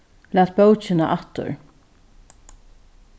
lat bókina aftur